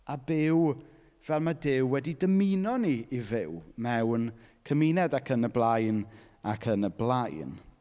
A byw fel ma' Duw wedi dymuno ni i fyw mewn cymuned ac yn y blaen ac yn y blaen.